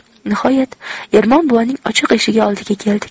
nihoyat ermon buvaning ochiq eshigi oldiga keldik